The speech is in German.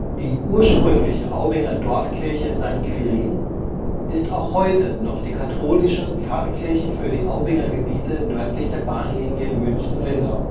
Die ursprüngliche Aubinger Dorfkirche St. Quirin ist auch heute noch die katholische Pfarrkirche für die Aubinger Gebiete nördlich der Bahnlinie München – Lindau